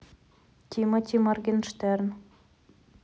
тимати моргенштерн